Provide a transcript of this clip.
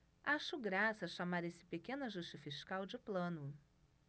acho graça chamar esse pequeno ajuste fiscal de plano